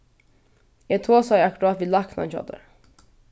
eg tosaði akkurát við læknan hjá tær